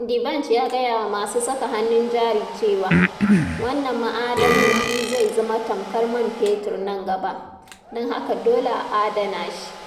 Dbanj ya gaya wa masu saka hannun-jari cewa, '' wannn ma'adanin shi zai zama tamkar man fetur nan gaba'', don haka dole a adana shi.